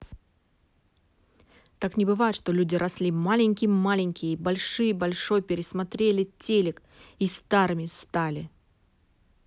так не бывает что люди росли маленькие маленькие и большие большой пересмотрели телек и старыми стали